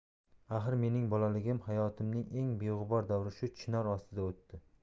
axir mening bolaligim hayotimning eng beg'ubor davri shu chinor ostida o'tdi